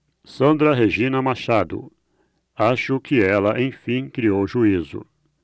sandra regina machado acho que ela enfim criou juízo